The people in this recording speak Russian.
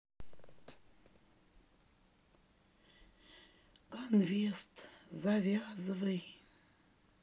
ганвест завязывай